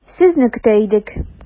Сезне көтә идек.